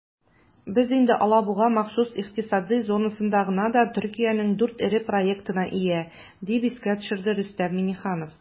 "без инде алабуга махсус икътисади зонасында гына да төркиянең 4 эре проектына ия", - дип искә төшерде рөстәм миңнеханов.